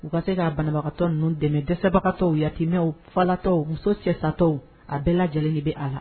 U ka se ka banabagatɔ ninnu dɛmɛ dɛsɛbagatɔw yatimɛw falatɔw muso cɛ satɔw a bɛɛ lajɛlen de bɛ a la